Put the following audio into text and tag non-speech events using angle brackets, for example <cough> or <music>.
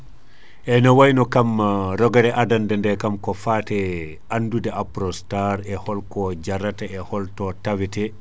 eyyi ne wayno kam <hesitation> rogguere adande nde kam ko fatee e andude Aprostar e holko jaarata e hol to tawete